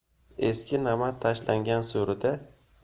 eski namat tashlangan so'rida